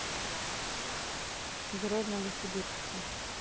герой в новосибирске